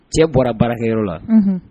Cɛ bɔra baarakɛyɔrɔ la, unhun